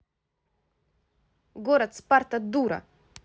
город спарта дура